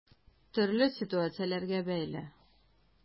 Төрле ситуацияләргә бәйле.